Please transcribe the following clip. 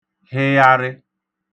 hịgharị